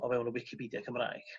o fewn y wicipedia Cymraeg?